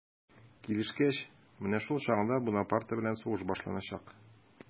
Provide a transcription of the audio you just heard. Килешкәч, менә шул чагында Бунапарте белән сугыш башланачак.